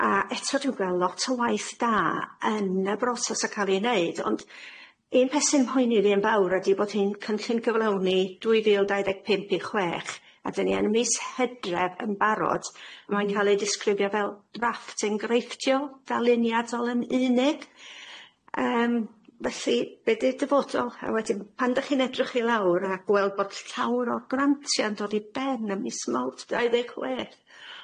a eto dwi'n gweld lot o waith da yn y broses o ca'l i neud ond un peth sy'n mhoeni i fi yn fawr ydi bod hi'n cynllun gyflawni dwy fil dau ddeg pump i chwech a dan ni yn mis Hydref yn barod mae'n cael ei disgrifio fel drafft enghreifftiol ddarluniadol yn unig yym felly be' di'r dyfodol a wedyn pan dych chi'n edrych i lawr a gweld bod llawr o grantia'n dod i ben ym mis Mawrth dau ddeg chwech